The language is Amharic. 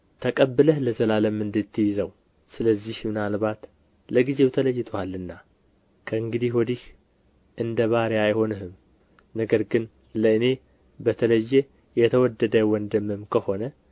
ተቀብለህ ለዘላለም እንድትይዘው ስለዚህ ምናልባት ለጊዜው ተለይቶሃልና ከእንግዲህ ወዲህ እንደ ባሪያ አይሆንም ነገር ግን ለእኔ በተለየ የተወደደ ወንድም ከሆነ